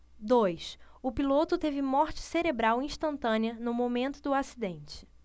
dois o piloto teve morte cerebral instantânea no momento do acidente